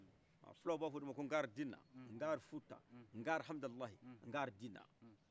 filau ba f'odema ko gardin garfuta garhamidalayi gardina